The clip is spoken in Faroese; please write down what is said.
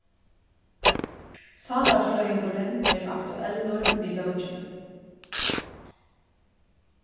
sálarfrøðingurin er aktuellur við bókini